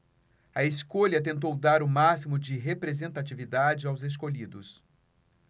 a escolha tentou dar o máximo de representatividade aos escolhidos